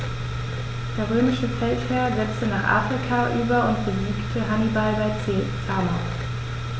Der römische Feldherr setzte nach Afrika über und besiegte Hannibal bei Zama.